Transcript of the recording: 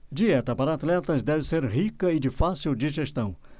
dieta para atletas deve ser rica e de fácil digestão